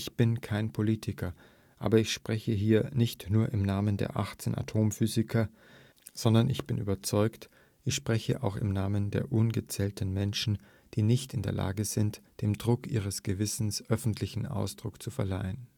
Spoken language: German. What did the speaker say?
bin kein Politiker, aber ich spreche hier nicht nur im Namen der 18 Atomphysiker, sondern ich bin überzeugt, ich spreche auch im Namen der ungezählten Menschen, die nicht in der Lage sind, dem Druck ihres Gewissens öffentlich Ausdruck zu verleihen